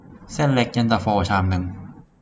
เส้นเล็กเย็นตาโฟชามนึง